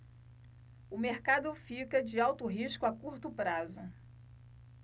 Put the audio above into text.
o mercado fica de alto risco a curto prazo